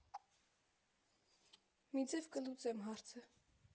Մի ձև կլուծեմ հարցը…